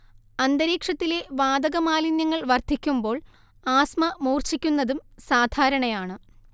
അന്തരീക്ഷത്തിലെ വാതകമാലിന്യങ്ങൾ വർദ്ധിക്കുമ്പോൾ ആസ്മ മൂർച്ഛിക്കുന്നതും സാധാരണയാണ്